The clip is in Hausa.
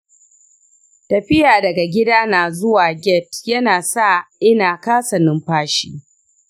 tafiya daga gida na zuwa gate yana sa ina ƙasa numfashi